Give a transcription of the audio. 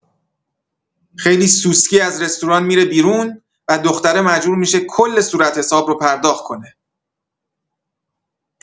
خیلی سوسکی از رستوران می‌ره بیرون و دختره مجبور می‌شه کل صورتحساب رو پرداخت کنه!